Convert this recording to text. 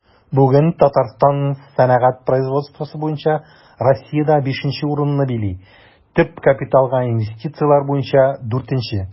Бүген Татарстан сәнәгать производствосы буенча Россиядә 5 нче урынны били, төп капиталга инвестицияләр буенча 4 нче.